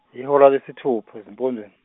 yihora lesithupha ezimpondweni.